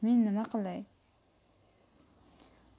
men nima qilay